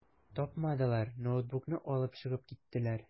Тапмадылар, ноутбукны алып чыгып киттеләр.